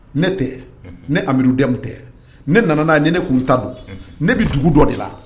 Ne tɛ ne amadu dɛmɛmu tɛ ne nana n'a ne kun ta don ne bɛ dugu dɔ de la